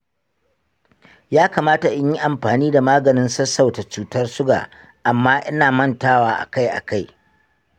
ya kamata in yi amfani da maganin sassauta cutar suga amma ina mantawa akai-akai.